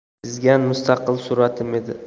chizgan mustaqil suratim edi